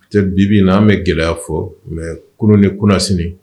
Tɛ bibi in na an bɛ gɛlɛya fɔ mais kunun ni kunasini